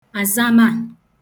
àzama